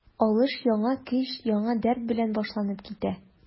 Алыш яңа көч, яңа дәрт белән башланып китә.